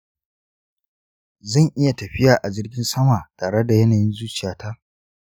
zan iya tafiya a jirgin sama tare da yanayin zuciyata?